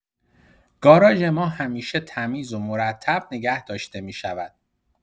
گاراژ ما همیشه تمیز و مرتب نگه داشته می‌شود.